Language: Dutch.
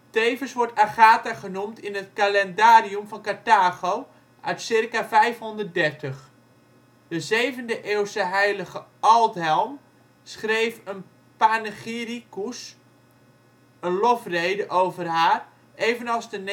Tevens wordt Agatha genoemd in het calendarium van Carthago (circa 530).. De 7e-eeuwse heilige Aldhelm schreef een panegyricus (lofrede) over haar, evenals de